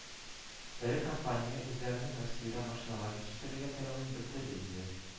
Эре компания үзләренең россиядә машиналар җитештерергә теләвен белдерде инде